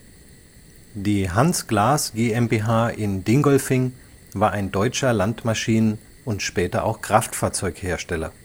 Die Hans Glas GmbH in Dingolfing war ein deutscher Landmaschinen - und später auch Kraftfahrzeughersteller